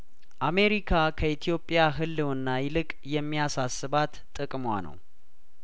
አሜሪካ ከኢትዮጵያ ህልውና ይልቅ የሚያሳስባት ጥቅሟ ነው